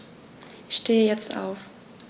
Ich stehe jetzt auf.